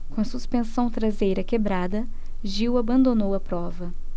com a suspensão traseira quebrada gil abandonou a prova